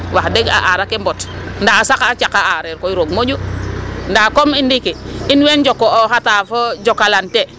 Wax deg a aar ake mbot ndaa a sax a cak a areer koy roog moƴu ndaa comme ndiiki in woy joko'ooxata fo Jokalante.